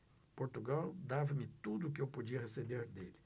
portugal dava-me tudo o que eu podia receber dele